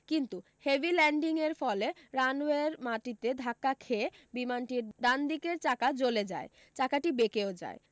কিন্তু heavy landing এর ফলে রানওয়ের মাটিতে ধাক্কা খেয়ে বিমানটির ডান দিকের চাকা জ্বলে যায় চাকাটি বেঁকেও যায়